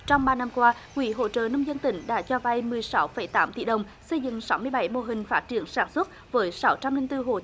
trong ba năm qua quỹ hỗ trợ nông dân tỉnh đã cho vay mười sáu phẩy tám tỷ đồng xây dựng sáu mươi bảy mô hình phát triển sản xuất với sáu trăm linh tư hộ